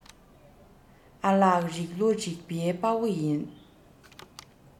ཨ ལག རིག ལོ རིག པའི དཔའ བོ ཡིན